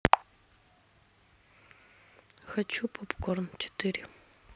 хочу попкорн четыре